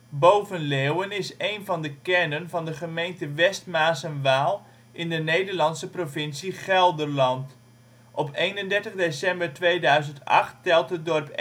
Boven-Leeuwen is een van de kernen van de gemeente West Maas en Waal in de Nederlandse provincie Gelderland. Op 31 december 2008 telt het dorp 2130